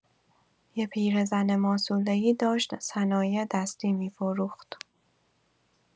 یه پیرزن ماسوله‌ای داشت صنایع‌دستی می‌فروخت.